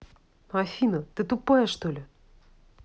афина ты тупая что ли